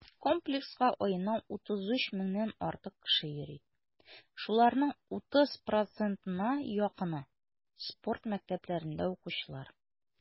Комплекска аена 33 меңнән артык кеше йөри, шуларның 30 %-на якыны - спорт мәктәпләрендә укучылар.